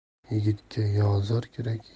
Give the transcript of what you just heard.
yigitga yo zar